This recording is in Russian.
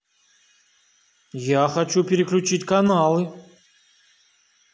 я хочу переключить каналы